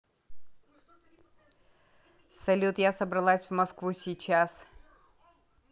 салют я собралась в москву сейчас